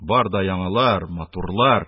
Бар да яңалар, матурлар,